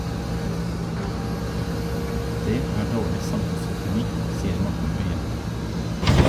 Det er dårlig samfunnsøkonomi, sier Morten Øye.